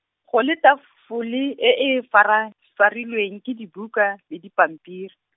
go le taf- fole e e farafarilweng ke dibuka, le dipampiri.